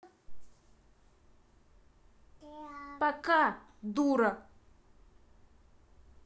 пока дура